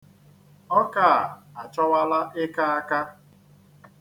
Ọka a achọwala ịka aka.